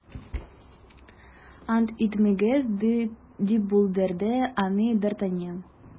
- ант итмәгез, - дип бүлдерде аны д’артаньян.